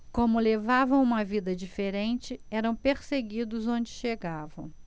como levavam uma vida diferente eram perseguidos onde chegavam